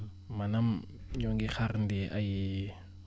maanaam ñoo ngi xaarandi ay